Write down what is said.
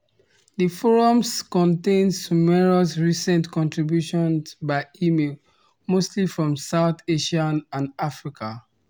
The forums contains numerous recent contributions by email, mostly from South Asia and Africa.